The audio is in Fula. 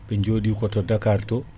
ɓe jooɗi koto Dakar to